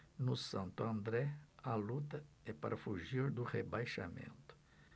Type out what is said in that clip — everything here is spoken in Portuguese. no santo andré a luta é para fugir do rebaixamento